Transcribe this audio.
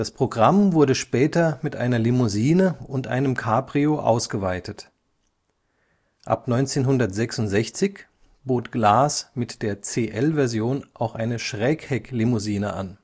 Programm wurde später mit einer Limousine und einem Cabrio ausgeweitet. Ab 1966 bot Glas mit der CL-Version auch eine Schräghecklimousine an